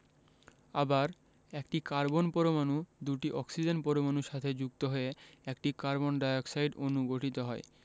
আবার একটি কার্বন পরমাণু দুটি অক্সিজেন পরমাণুর সাথে যুক্ত হয়ে একটি কার্বন ডাই অক্সাইড অণু গঠিত হয়